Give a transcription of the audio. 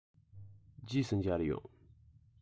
རྗེས སུ མཇལ ཡོང